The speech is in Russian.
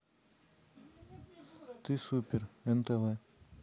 ты супер нтв